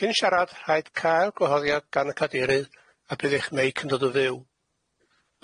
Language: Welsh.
Cyn siarad, rhaid cael gwahoddiad gan y cadeirydd, a bydd eich meic yn dod yn fyw.